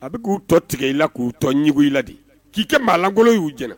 A bɛ k'u tɔ tigɛ i la k'u tɔ ɲɛbɔ i la de k'i kɛ maalangolo ye